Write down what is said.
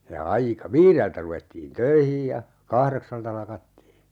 ja - viideltä ruvettiin töihin ja kahdeksalta lakattiin